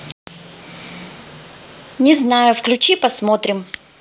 не знаю включи посмотрим